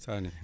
Sané